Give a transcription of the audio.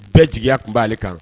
Bɛɛ jigiya tun b'ale kan